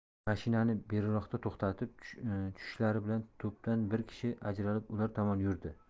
mashinani beriroqda to'xtatib tushishlari bilan to'pdan bir kishi ajralib ular tomon yurdi